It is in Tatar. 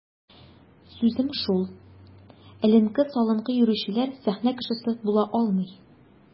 Сүзем шул: эленке-салынкы йөрүчеләр сәхнә кешесе була алмый.